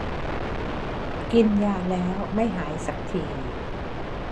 กินยาแล้วไม่หายสักที